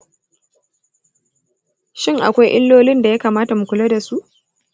shin akwai illolin da ya kamata mu kula da su?